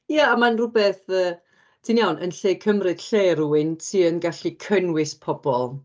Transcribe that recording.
Ia a mae'n rywbeth yy... ti'n iawn, yn lle cymryd lle rywun ti yn gallu cynnwys pobl.